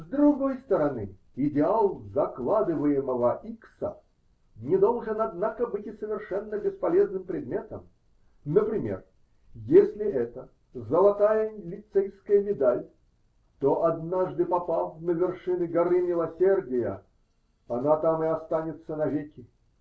С другой стороны, идеал закладываемого икса не должен, однако, быть и совершенно бесполезным предметом: например, если это -- золотая лицейская медаль, то однажды попав на вершины Горы Милосердия, она там и останется навеки.